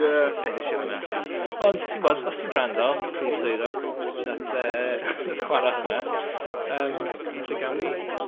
Ie. ...editio hwnna allan. Ond ti'n 'bod os ti'n grand prif swyddog nath yy chwar'e hwnna yym falle gawn ni